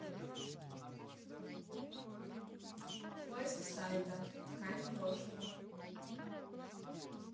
поиск сайта ткань дешево